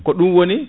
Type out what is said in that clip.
ko ɗum woni